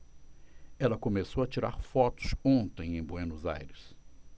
ela começou a tirar fotos ontem em buenos aires